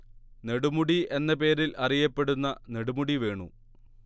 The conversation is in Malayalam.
നെടുമുടി എന്ന പേരിൽ അറിയപ്പെടുന്ന നെടുമുടി വേണു